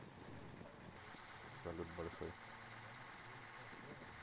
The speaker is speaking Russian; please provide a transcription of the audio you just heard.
салют большой